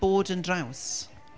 bod yn draws...